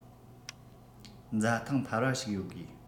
འཛའ ཐང འཕར བ ཞིག ཡོད དགོས